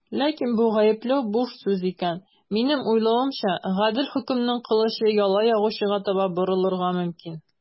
Ләкин бу гаепләү буш сүз икән, минем уйлавымча, гадел хөкемнең кылычы яла ягучыга таба борылырга мөмкин.